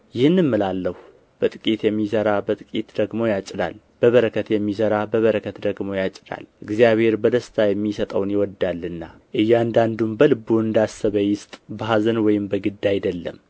ይህንም እላለሁ በጥቂት የሚዘራ በጥቂት ደግሞ ያጭዳል በበረከትም የሚዘራ በበረከት ደግሞ ያጭዳል እግዚአብሔር በደስታ የሚሰጠውን ይወዳልና እያንዳንዱ በልቡ እንዳሰበ ይስጥ በኀዘን ወይም በግድ አይደለም